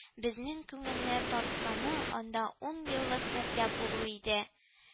Безнең күңелне тартканы анда ун еллык мәктәп булуы иде